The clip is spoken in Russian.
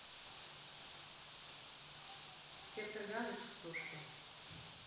сектор газа частушки